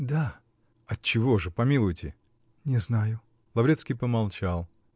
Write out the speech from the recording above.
-- Да. -- Отчего же, помилуйте? -- Не знаю. Лаврецкий помолчал.